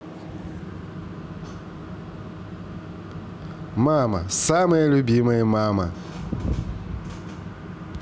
мама самая любимая мама